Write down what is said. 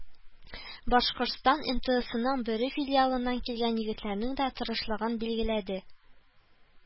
Башкортстан эМТээСының Бөре филиалыннан килгән егетләрнең дә тырышлыгын билгеләде